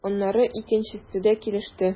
Аннары икенчесе дә килеште.